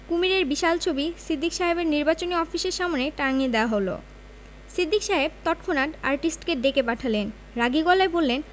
কুমীরের বিশাল ছবি সিদ্দিক সাহেবের নির্বাচনী অফিসের সামনে টানিয়ে দেয়া হল সিদ্দিক সাহেব তৎক্ষণাৎ আর্টিস্টকে ডেকে পাঠালেন রাগী গলায় বললেন